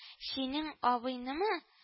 Синең абыйнымы